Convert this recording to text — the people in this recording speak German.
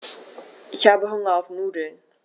Ich habe Hunger auf Nudeln.